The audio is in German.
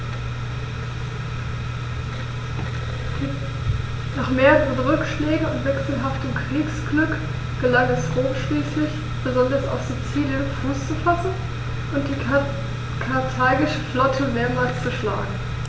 Nach mehreren Rückschlägen und wechselhaftem Kriegsglück gelang es Rom schließlich, besonders auf Sizilien Fuß zu fassen und die karthagische Flotte mehrmals zu schlagen.